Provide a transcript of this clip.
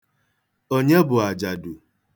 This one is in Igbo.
Onye bụ ajadu?